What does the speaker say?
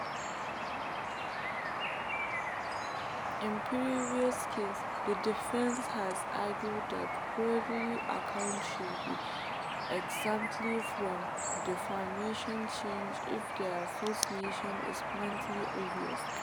In previous cases, the defense has argued that parody accounts should be exempt from defamation charges if their false nature is plainly obvious.